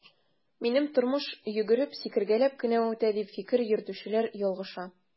Минем тормыш йөгереп, сикергәләп кенә үтә, дип фикер йөртүчеләр ялгыша.